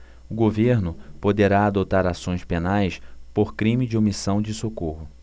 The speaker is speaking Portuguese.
o governo poderá adotar ações penais por crime de omissão de socorro